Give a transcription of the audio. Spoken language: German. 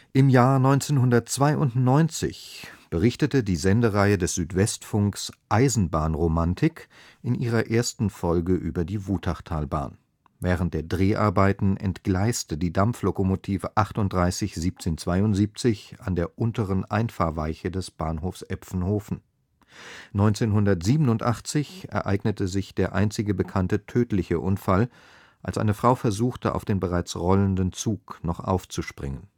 Im Jahr 1992 berichtete die SWR-Sendereihe Eisenbahn-Romantik in ihrer ersten Folge über die Wutachtalbahn. Während der Dreharbeiten entgleiste die Dampflokomotive 38 1772 an der unteren Einfahrweiche des Bahnhofs Epfenhofen. 1987 ereignete sich der einzige bekannte tödliche Unfall, als eine Frau versuchte, auf den bereits rollenden Zug noch aufzuspringen